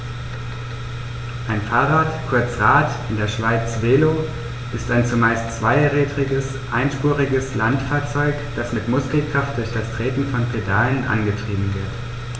Ein Fahrrad, kurz Rad, in der Schweiz Velo, ist ein zumeist zweirädriges einspuriges Landfahrzeug, das mit Muskelkraft durch das Treten von Pedalen angetrieben wird.